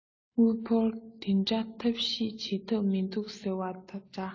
དངུལ འབོར འདི འདྲ ཐབས ཤེས བྱེད ཐབས མིན འདུག ཟེར བ འདྲ